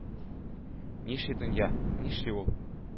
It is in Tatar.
Нишли дөнья, нишли ул?